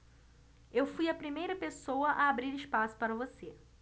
eu fui a primeira pessoa a abrir espaço para você